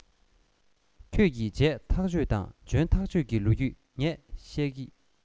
ཁྱོད ཀྱིས བྱས ཐག ཆོད དང འཇོན ཐག ཆོད ཀྱི ལོ རྒྱུས ངས བཤད ཀྱིས